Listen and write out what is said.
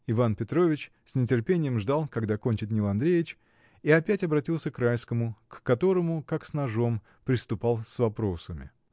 Иван Петрович с нетерпением ждал, когда кончит Нил Андреич, и опять обратился к Райскому, к которому, как с ножом, приступал с вопросами.